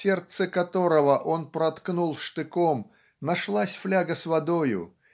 сердце которого он проткнул штыком нашлась фляга с водою